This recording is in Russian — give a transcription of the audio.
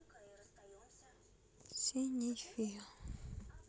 синий фил